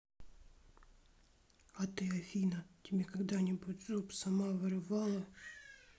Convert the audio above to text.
а ты афина тебе когда нибудь зуб сама вырвала